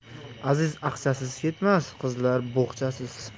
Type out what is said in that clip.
aziz aqchasiz ketmas qizlar bo'g'chasiz